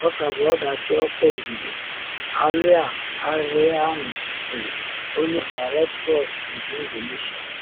“Ọ ka bụ ọdachi ọkwa ogige,” Aulia Arriani kwuru, onye okwu okwu maka Red Cross nke Indonesia.